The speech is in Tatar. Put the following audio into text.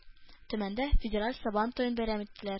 Төмәндә федераль Сабантуен бәйрәм иттеләр